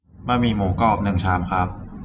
บะหมี่หมูกรอบหนึ่งชามครับ